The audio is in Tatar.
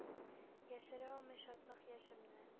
Яшерә алмый шатлык яшемне,